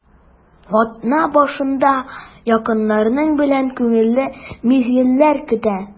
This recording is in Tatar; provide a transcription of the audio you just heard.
Атна башында якыннарың белән күңелле мизгелләр көтә.